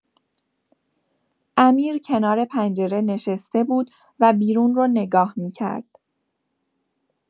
امیر کنار پنجره نشسته بود و بیرون رو نگاه می‌کرد.